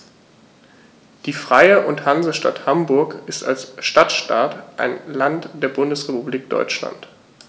Die Freie und Hansestadt Hamburg ist als Stadtstaat ein Land der Bundesrepublik Deutschland.